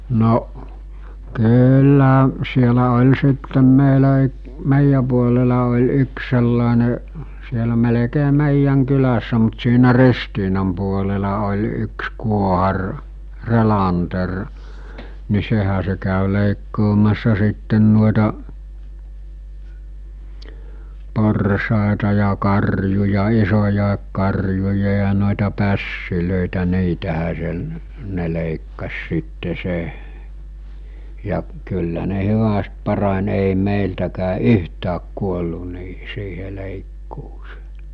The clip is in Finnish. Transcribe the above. no kyllä siellä oli sitten meillä - meidän puolella oli yksi sellainen siellä melkein meidän kylässä mutta siinä Ristiinan puolella oli yksi kuohari Relander niin sehän se kävi leikkaamassa sitten noita porsaita ja karjuja isoja karjuja ja noita pässejä niitähän se ne leikkasi sitten se ja kyllä ne hyvästi parani ei meiltäkään yhtään kuollut niiden siihen leikkuuseen